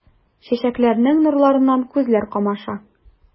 Чәчәкләрнең нурларыннан күзләр камаша.